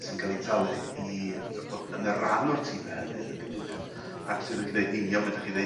sy'n ca'l 'u talu i fod yn rhan o'r time' hynny yn y gymuned ag sydd yn gneud yn union be' 'dach chi ddeud...